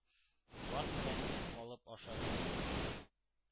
”бар, перәннек алып аша“, — диде.